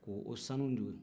k'o sanu di